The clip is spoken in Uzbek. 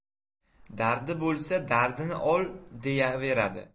dardi bo'lsa dardini ol deyaveradi